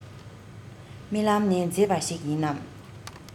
རྨི ལམ ནི མཛེས པ ཞིག ཡིན ནམ